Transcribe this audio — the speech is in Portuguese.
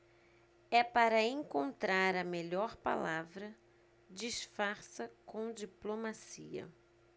é para encontrar a melhor palavra disfarça com diplomacia